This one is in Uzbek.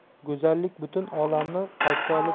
go'zallik butun olamni qalbga olib